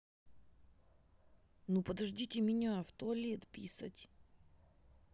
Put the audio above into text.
ну подождите меня в туалет писать